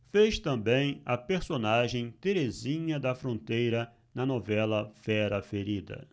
fez também a personagem terezinha da fronteira na novela fera ferida